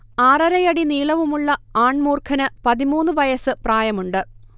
ആറരയടി നീളവുമുള്ള ആൺ മൂർഖന് പതിമൂന്ന് വയസ് പ്രായമുണ്ട്